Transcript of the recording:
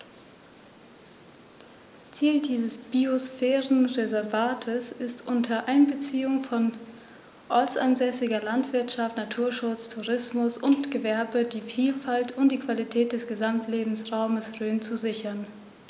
Ziel dieses Biosphärenreservates ist, unter Einbeziehung von ortsansässiger Landwirtschaft, Naturschutz, Tourismus und Gewerbe die Vielfalt und die Qualität des Gesamtlebensraumes Rhön zu sichern.